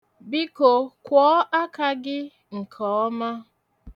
Biko, kwọọ aka gị nke ọma.